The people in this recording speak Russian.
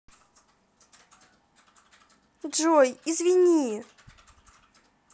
джой извини